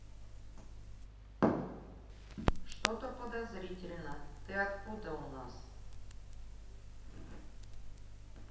что то подозрительно ты откуда у нас